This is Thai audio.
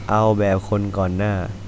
เอาแบบคนก่อนหน้า